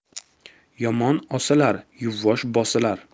yomon osilar yuvvosh bosilar